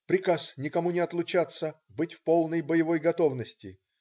" Приказ: никому не отлучаться,- быть в полной боевой готовности.